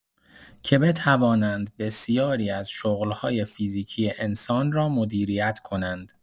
که بتوانند بسیاری از شغل‌های فیزیکی انسان را مدیریت کنند.